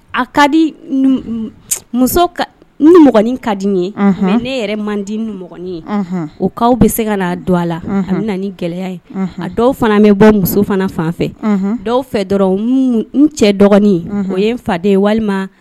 A ka di muso min ka di n ye ne yɛrɛ man di ni ye o ka bɛ se ka'a don a la a bɛ na ni gɛlɛya ye a dɔw fana bɛ bɔ muso fana fan fɛ dɔw fɛ dɔrɔn n cɛ dɔgɔni o ye n faden ye walima